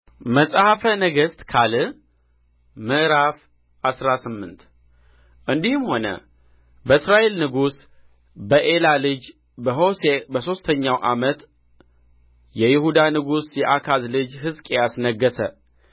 መጽሐፈ ነገሥት ካልዕ ምዕራፍ አስራ ስምንት እንዲህም ሆነ በእስራኤል ንጉሥ በኤላ ልጅ በሆሴዕ በሦስተኛው ዓመት የይሁዳ ንጉሥ የአካዝ ልጅ ሕዝቅያስ ነገሠ